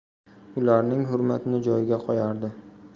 ularning hurmatini joyiga qo'yardi